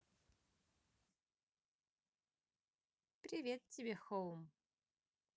привет тебе home